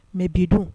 Mɛ bi dun